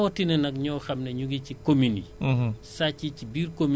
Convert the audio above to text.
ñu fàttali kotamit ci fi ñu ci vol de bétail bi